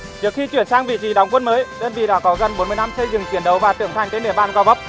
trước khi chuyển sang vị trí đóng quân mới đơn vị đã có gần bốn mươi năm xây dựng chiến đấu và trưởng thành trên địa bàn gò vấp